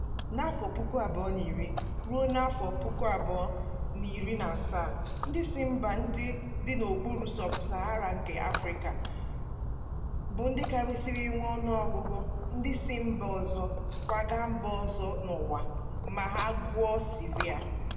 N'afọ 2010-2017, ndị si mba ndị dị n'okpuru sub-Sahara nke Afrịka bụ ndị karịsịa nwee ọnụọgụgụ ndị si mba ọzọ kwaga mba ọzọ n'ụwa ma a gụọ Syria.